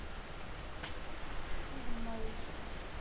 фильм малышка